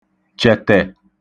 chẹ̀tẹ̀